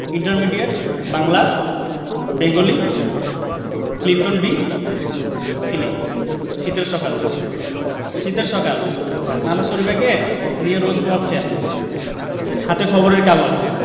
intermediate Bangla Bengali Clinton B Seely শীতের সকাল শীতের সকাল নানা শরিফাকে নিয়ে রোদ পোহাচ্ছেন হাতে খবরের কাগজ